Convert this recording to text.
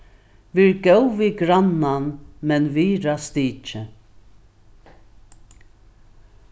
ver góð við grannan men virða stikið